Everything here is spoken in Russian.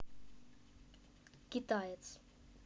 китаец